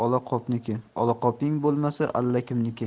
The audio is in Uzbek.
olaqopniki olaqoping bo'lmasa allakimniki